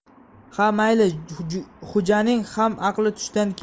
ha mayli xo'janing ham aqli tushdan keyin kiradi